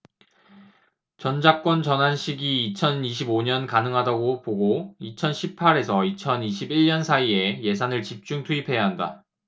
전작권 전환 시기 이천 이십 오 년 가능하다고 보고 이천 십 팔 에서 이천 이십 일 년 사이에 예산을 집중 투입해야 한다